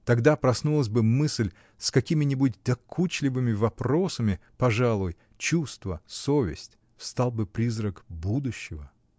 Тогда проснулась бы мысль, с какими-нибудь докучливыми вопросами, пожалуй, чувство, совесть, встал бы призрак будущего.